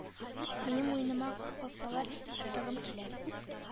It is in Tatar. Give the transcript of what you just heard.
— минем муеныма кагылсалар, кытыгым килә,